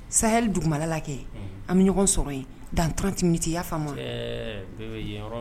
Sahɛli dugumana na kɛ, an bɛ ɲɔgɔn sɔrɔ yen Dans 30 minutes . I y'a famu a?. Cɛɛ bebe yen yɔrɔ